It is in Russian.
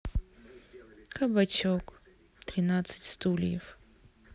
кабачок тринадцать стульев